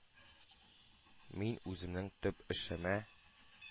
Мин үземнең төп эшемә,